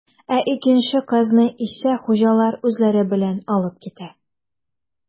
Ә икенче казны исә хуҗалар үзләре белән алып китә.